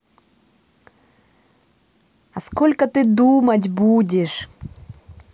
а сколько ты думать будешь